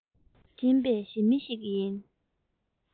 ཞེན པའི ཞི མི ཞིག ཡིན